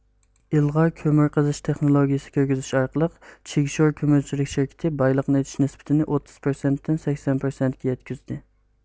ئىلغار كۆمۈر قېزىش تېخنولوگىيىسىنى كىرگۈزۈش ئارقىلىق چىگشور كۆمۈرچىلىك شىركىتى بايلىقنى ئېچىش نىسبىتىنى ئوتتۇز پىرسەنتتىن سەكسەن پىرسەنتكە يەتكۈزدى